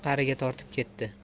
qariga tortib ketdi